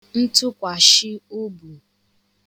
ntụkwàshịobù